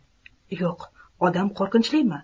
yo'q odam qo'rqinchlimi